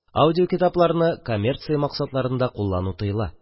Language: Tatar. Аудиокитапларны коммерция максатында куллану тыела